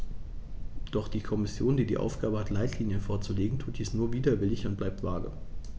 Doch die Kommission, die die Aufgabe hat, Leitlinien vorzulegen, tut dies nur widerwillig und bleibt vage.